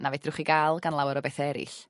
na fedrwch chi ga'l gan lawer o bethe eryll.